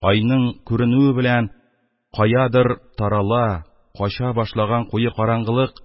Айның күренүе белән үк каядыр тарала, кача башлаган куе караңгылык